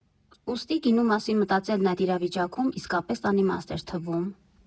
Ուստի գինու մասին մտածելն այդ իրավիճակում իսկապես անիմաստ էր թվում։